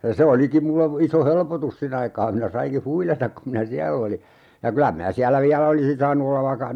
ja se olikin minulle iso helpotus sen aikaa minä sainkin huilata kun minä siellä olin ja kyllä minä siellä vielä olisin saanut olla vaikka